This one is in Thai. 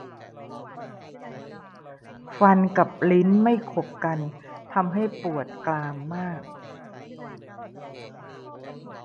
ฟันกับลิ้นไม่ขบกันทำให้ปวดกรามมาก